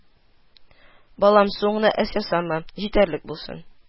– балам, суыңны аз ясама, җитәрлек булсын